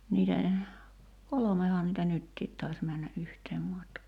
niitä kolmehan niitä nytkin taisi mennä yhtä matkaa